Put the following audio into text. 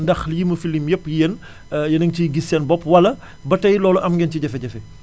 ndax lii mu fi lim yépp yéen yéen a ngi ciy gis seen bopp wala ba tay loolu am ngeen ci jafe-jafe